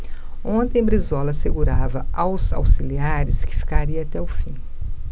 ontem brizola assegurava aos auxiliares que ficaria até o fim